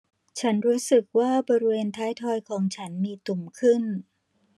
ฉันรู้สึกว่าบริเวณท้ายทอยของฉันมีตุ่มขึ้น